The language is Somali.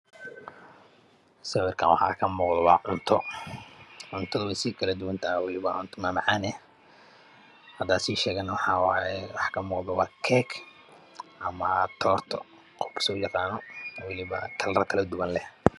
Sawarkan waxaa kamuqdo cunto waan keeg